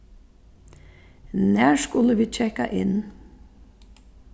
nær skulu vit kekka inn